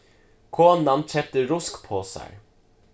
konan keypti ruskposar